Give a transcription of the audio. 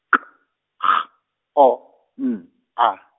K G O N A.